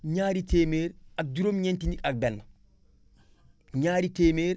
ñaari téeméer ak juróom-ñeenti nit ak benn ñaari téeméer